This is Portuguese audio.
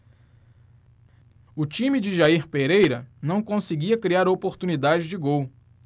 o time de jair pereira não conseguia criar oportunidades de gol